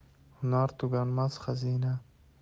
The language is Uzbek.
hunar tuganmas xazina